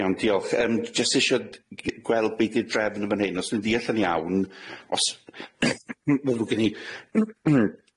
Iawn, diolch. Yym jyst isio d- g- gweld be' 'di'r drefn yn fan'yn. Os dwi'n diall yn iawn, os- , mae'n ddrwg gen i,